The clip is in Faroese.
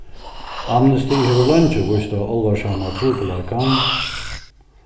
amnesty hevur leingi víst á álvarsama trupulleikan